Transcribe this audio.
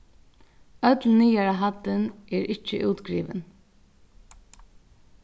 øll niðara hæddin er ikki útgrivin